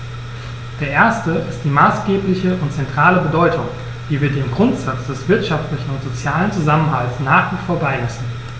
Der erste ist die maßgebliche und zentrale Bedeutung, die wir dem Grundsatz des wirtschaftlichen und sozialen Zusammenhalts nach wie vor beimessen.